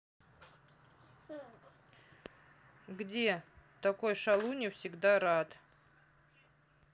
где такой шалунья всегда рад